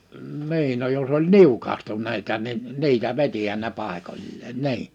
niin no jos oli niukahtuneita niin niitä vetihän ne paikoilleen niin